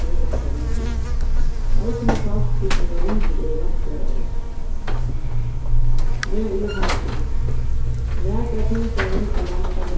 fyri at standa royndina eisini sæst hvussu nógvar myndir eru rætt svaraðar v u hammershaimb nakað av tilfarinum ið hammershaimb